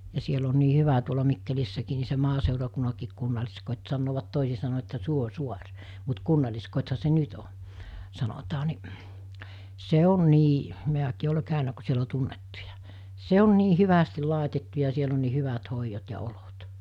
ja siellä on niin hyvä tuolla Mikkelissäkin niin se maaseurakunnankin kunnalliskoti sanovat toisin sanoin että Suosaari mutta kunnalliskotihan se nyt on sanotaan niin se on niin minäkin olen käynyt kun siellä on tunnettuja se on niin hyvästi laitettu ja siellä on niin hyvät hoidot ja olot